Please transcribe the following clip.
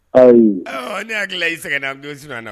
Ayi ne hakilila ii sɛgɛn don na